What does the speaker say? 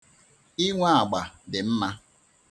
Inwe agba dị mma.